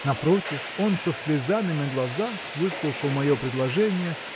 Напротив, он со слезами на глазах выслушал мое предложение